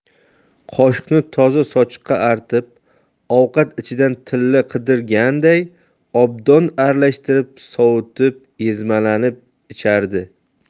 qoshiqni toza sochiqda artib ovqat ichidan tilla qidirganday obdan aralashtirib sovutib ezmalanib ichardi